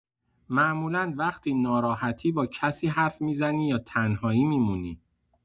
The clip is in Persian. معمولا وقتی ناراحتی با کسی حرف می‌زنی یا تنهایی می‌مونی؟